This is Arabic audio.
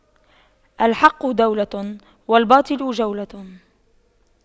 الحق دولة والباطل جولة